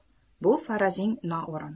bu farazing noo'rin